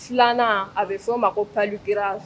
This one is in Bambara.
Filanan a bɛ fɔ' o ma ko pa kirara